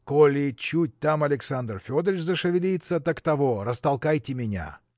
Коли чуть там Александр Федорыч зашевелится, так того. растолкайте меня.